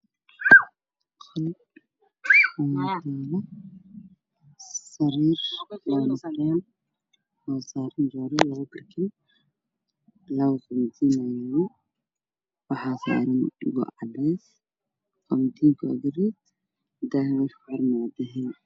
Meel halkaan waaxaa yaa la sariir waxaa saaran go midafkiisa yahay qaxooy waxaa yaalo laba kun diin daha ku xiranna waa dahabi